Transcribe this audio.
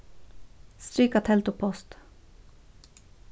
strika teldupost